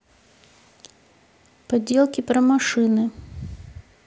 поделки про машины